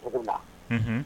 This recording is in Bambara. Una